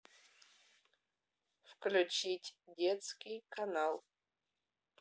включить детский канал